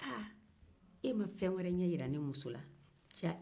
e ma fɛn wɛrɛ ɲɛ jira ne muso la